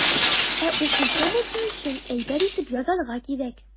Ә укучы булсын өчен, әйбәт итеп язарга кирәк.